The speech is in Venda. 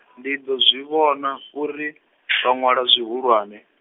ndi ḓo zwi vhona uri, vha ṅwala zwihulwane.